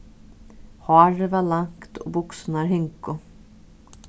hárið var langt og buksurnar hingu